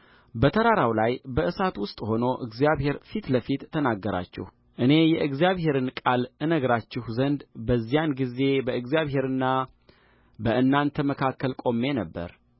በተራራው ላይ በእሳት ውስጥ ሆኖ እግዚአብሔር ፊት ለፊት ተናገራችሁእኔ የእግዚአብሔርን ቃል እነግራችሁ ዘንድ በዚያን ጊዜ በእግዚአብሔርና በእናንተ መካከል ቆሜ ነበር